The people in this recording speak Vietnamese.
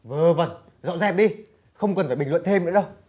vớ vẩn dọn dẹp đi không phải bình luận thêm nữa đâu